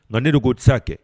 Nka ne de k koo tɛ se kɛ